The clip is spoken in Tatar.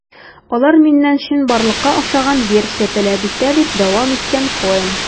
Алар миннән чынбарлыкка охшаган версия таләп итте, - дип дәвам иткән Коэн.